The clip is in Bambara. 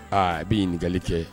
Aa a b'i ɲininkagali kɛ